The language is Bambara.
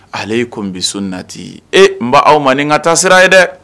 Ale ko bi so nati e nba aw ma nin n ka taasira ye dɛ